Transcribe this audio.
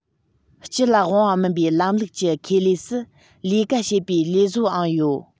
སྤྱི ལ དབང བ མིན པའི ལམ ལུགས ཀྱི ཁེ ལས སུ ལས ཀ བྱེད པའི ལས བཟོ པའང ཡོད